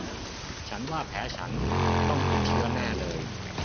ฉันว่าแผลฉันต้องติดเชื้อแน่เลย